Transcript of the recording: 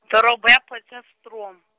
ḓorobo ya Potchefstroom.